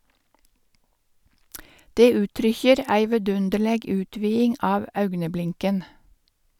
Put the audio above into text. Det uttrykkjer ei vedunderleg utviding av augneblinken.